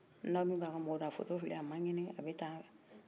n'aw min b'a ka mɔgɔ don a photo filɛ a mankɛnɛ a bɛ tan